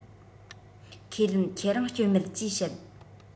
ཁས ལེན ཁྱེད རང བསྐྱོན མེད ཅེས བཤད